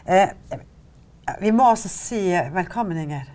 vi må altså si velkommen Inger.